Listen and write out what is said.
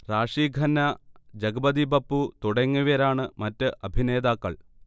റാഷി ഖന്ന, ജഗ്പതി ബപ്പു തുടങ്ങിയവരാണ് മറ്റ് അഭിനേതാക്കൾ